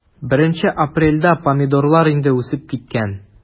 1 апрельдә помидорлар инде үсеп киткән.